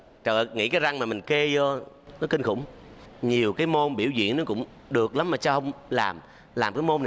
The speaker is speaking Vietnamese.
trời ơi nghĩ cái răng mà mình kê vô nó kinh khủng nhiều cái môn biểu diễn nó cũng được lắm mà sao không làm làm cái môn